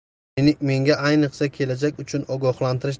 menga ayniqsa kelajak uchun ogohlantirish